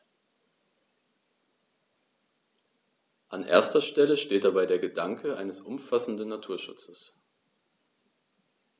An erster Stelle steht dabei der Gedanke eines umfassenden Naturschutzes.